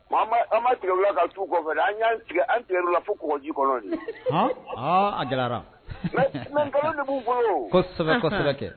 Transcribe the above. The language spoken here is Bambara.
An ma tigɛla ka tu kɔfɛ an y'an tigɛ an tigɛ la fo ji kɔnɔ ye a gɛlɛ b'u kosɛbɛ kosɛbɛkɛ